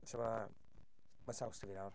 So ma' ma' saws 'da fi nawr.